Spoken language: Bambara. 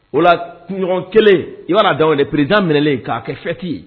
O la kungoɲɔgɔn kelen' da ye pered minɛen k'a kɛ fɛnti